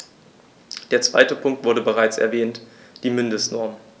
Der zweite Punkt wurde bereits erwähnt: die Mindestnormen.